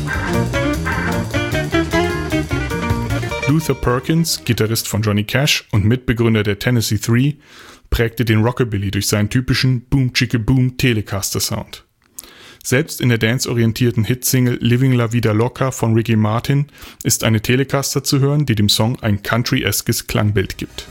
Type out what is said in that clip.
Gitarrist von Johnny Cash und Mitbegründer der Tennessee Three, prägte den Rockabilly durch seinen typischen „ Boom-chicka-Boom “Telecaster-Sound. Selbst in der Dance-orientierten Hitsingle „ Livin La Vida Loca “von Ricky Martin ist eine Telecaster zu hören, die dem Song ein „ countryeskes “Klangbild gibt